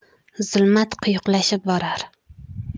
zulmat quyuqlashib borar